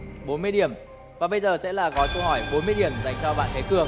bốn mươi điểm và bây giờ sẽ là gói câu hỏi bốn mươi điểm dành cho bạn thế cường